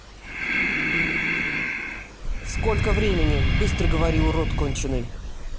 сколько времени быстро говорил урод конченый